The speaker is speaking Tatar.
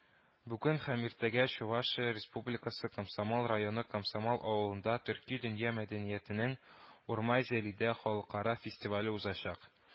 Бүген һәм иртәгә Чувашия Республикасы Комсомол районы Комсомол авылында төрки дөнья мәдәниятенең “Урмай зәлидә” Халыкара фестивале узачак